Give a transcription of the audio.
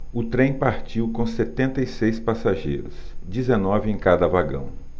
o trem partiu com setenta e seis passageiros dezenove em cada vagão